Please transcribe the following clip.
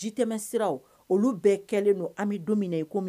Ji tɛm sira olu bɛɛ kɛlen don an bɛ don min